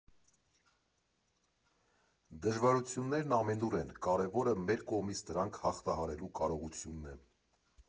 Դժվարություններն ամենուր են, կարևորը մեր կողմից դրանք հաղթահարելու կարողությունն է։